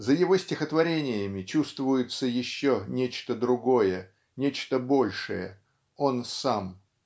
За его стихотворениями чувствуется еще нечто другое, нечто большее он сам.